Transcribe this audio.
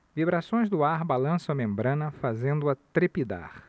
vibrações do ar balançam a membrana fazendo-a trepidar